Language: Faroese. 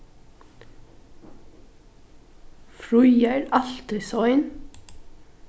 fríða er altíð sein